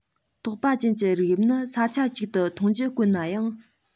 དོགས པ ཅན གྱི རིགས དབྱིབས ནི ས ཆ གཅིག ཏུ མཐོང རྒྱུ དཀོན ནའང